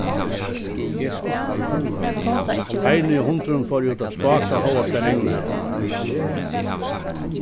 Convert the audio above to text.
heini og hundurin fóru út at spáka hóast tað regnaði